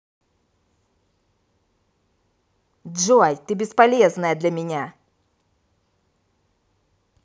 джой ты бесполезная для меня